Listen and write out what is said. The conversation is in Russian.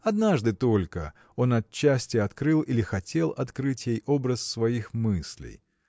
Однажды только он отчасти открыл или хотел открыть ей образ своих мыслей.